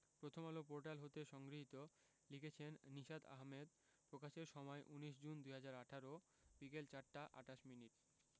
Prothom Alo portal হতে সংগৃহীত লিখেছেন নিশাত আহমেদ প্রকাশের সময় ২৯ জুন ২০১৮ বিকেল ৪টা ২৮ মিনিট